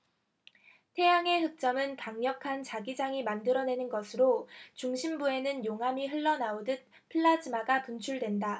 태양의 흑점은 강력한 자기장이 만들어내는 것으로 중심부에는 용암이 흘러나오듯 플라즈마가 분출된다